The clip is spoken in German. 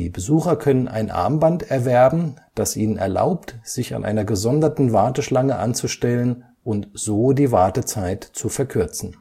Besucher können ein Armband erwerben, das ihnen erlaubt, sich an einer gesonderten Warteschlange anzustellen und so die Wartezeit zu verkürzen